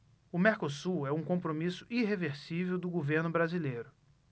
o mercosul é um compromisso irreversível do governo brasileiro